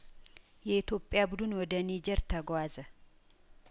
የኢትዮጵያ ቡድን ወደ ኒጀር ተጓዘ